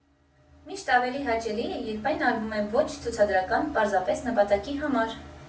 Միշտ ավելի հաճելի է, երբ այն արվում է ոչ ցուցադրական, պարզապես նպատակի համար։